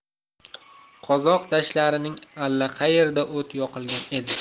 qozoq dashtlarining allaqayerida o't yoqilgan edi